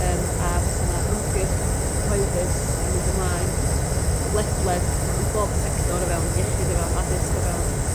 yym a fysa 'na ymgyrch iechyd cyhoeddus yn mynd ymlaen yy ledled m- yn bob sector o fewn iechyd o fewn addysg o fewn